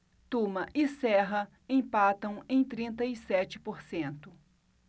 tuma e serra empatam em trinta e sete por cento